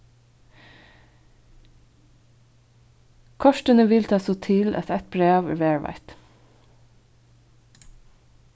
kortini vil tað so til at eitt bræv er varðveitt